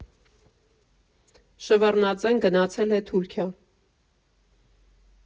Շևարդնաձեն գնացել է Թուրքիա։